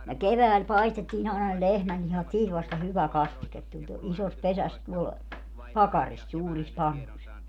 ne keväällä paistettiin aina ne lehmänlihat siitä vasta hyvä kastike tuli - isossa pesässä tuolla pakarissa suurissa pannuissa